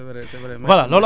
c' est vrai